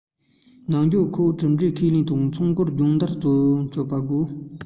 ནང སྦྱོང ཁྲོད གྲུབ འབྲས ཁས ལེན དང མཚོ སྐོར སྦྱོང བརྡར བྱང ཆུབ པ དགོས